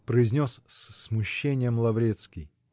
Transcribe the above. -- произнес с смущением Лаврецкий.